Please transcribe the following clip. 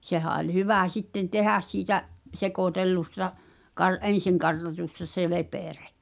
sehän oli hyvä sitten tehdä siitä sekoitellusta - ensin kartatusta se lepere